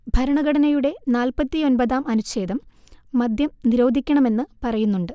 ഭരണഘടനയുടെ നാല്‍പ്പത്തിയൊന്‍പതാം അനുഛേദം മദ്യം നിരോധിക്കണമെന്ന് പറയുന്നുണ്ട്